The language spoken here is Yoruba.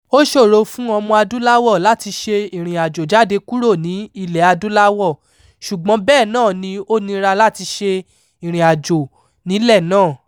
Ó ṣòro fún ọmọ-adúláwọ̀ láti ṣe ìrìnàjò jáde kúrò ní Ilẹ̀-adúláwọ̀ — ṣùgbọ́n bẹ́ẹ̀ náà ni ó nira láti ṣe ìrìnàjò nílẹ̀ náà.